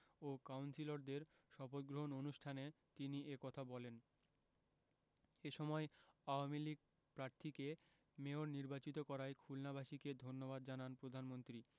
ও কাউন্সিলরদের শপথগ্রহণ অনুষ্ঠানে তিনি এ কথা বলেন এ সময় আওয়ামী লীগ প্রার্থীকে মেয়র নির্বাচিত করায় খুলনাবাসীকে ধন্যবাদ জানান প্রধানমন্ত্রী